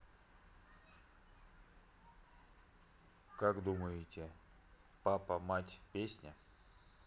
как думаете папа мать песня